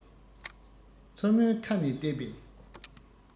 མཚོ མོའི ཁ ནས ལྟས པས